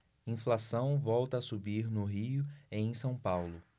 inflação volta a subir no rio e em são paulo